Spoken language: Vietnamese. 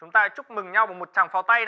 chúng ta chúc mừng nhau bằng một tràng pháo tay